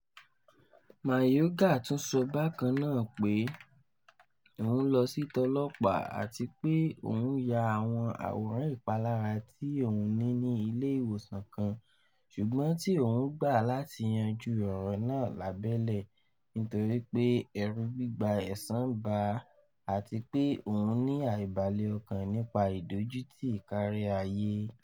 Mayorga tún sọ bákan náà pé òun lọ sí t’ọlọ́pàá àtipé òun yà àwọn àwòrán ìpalára tí òun ní ní ìlé ìwòsàn kan, ṣùgbọ́n tí òwun gbà láti yanjú ọ̀rọ̀ náà lábẹ́lé nítorípé òwn “ẹ̀rù gbíga ẹ̀sàn bà á” àtí pé òun ní àibàlẹ̀ ọkàn nípa “ìdójútì káríáyé”